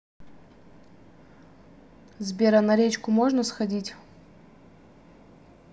сбер а на речку можно сходить